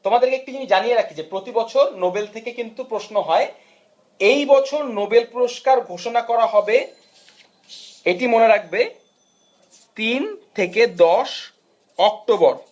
তোমাদেরকে একটি জিনিস জানিয়ে রাখি যে প্রতি বছর নোবেল থেকে কিন্তু প্রশ্ন হয় এ বছর নোবেল পুরস্কার ঘোষণা করা হবে এটি মনে রাখবে 3 থেকে 10 অক্টোবর